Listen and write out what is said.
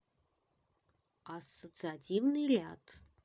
ассоциативный ряд